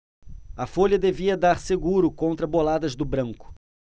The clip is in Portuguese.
a folha devia dar seguro contra boladas do branco